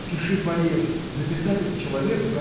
– пиши пореже – написать это человеку